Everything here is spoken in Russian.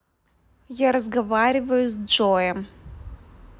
я разговариваю с джоем